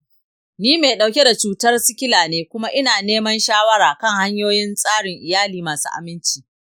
ni mai dauke da cutar sikila ne kuma ina neman shawara kan hanyoyin tsarin iyali masu aminci.